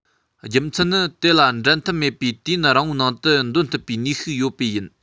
རྒྱུ མཚན ནི དེ ལ འགྲན ཐབས མེད པའི དུས ཡུན རིང པོའི ནང དུ འདོན ཐུབ པའི ནུས ཤུགས ཡོད པས ཡིན